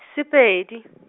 Sepedi .